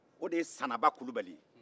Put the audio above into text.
o de ye sanaba kulubali ye